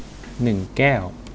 หนึ่งแก้ว